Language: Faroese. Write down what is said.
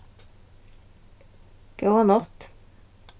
góða nátt